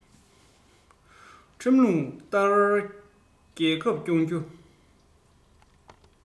ཁྲིམས ལུགས ལྟར རྒྱལ ཁབ སྐྱོང རྒྱུ